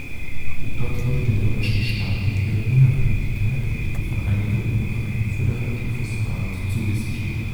Dort wurde den deutschen Staaten ihre Unabhängigkeit und die Vereinigung durch ein föderatives Band zugesichert